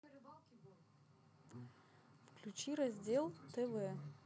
включи раздел тв